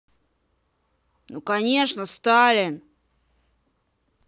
ну конечно сталин